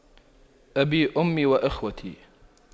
أبي أمي وإخوتي